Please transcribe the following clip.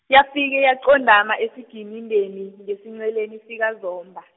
yafike yaqondama esiginindeni, ngesinceleni sikaZomba.